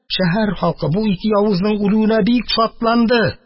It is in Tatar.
Шәһәр халкы бу ике явызның үлүенә бик шатланды.